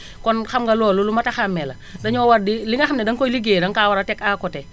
kon xam nga loolu lu mot a xàmmee la dañoo war di li nga xam ne da nga koy ligéeyee danga kaa war a teg à côté